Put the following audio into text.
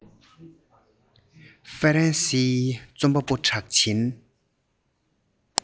ཧྥ རན སིའི རྩོམ པ པོ གྲགས ཅན